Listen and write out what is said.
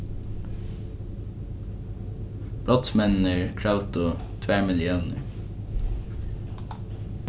brotsmenninir kravdu tvær milliónir